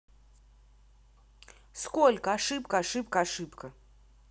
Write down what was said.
сколько ошибка ошибка ошибка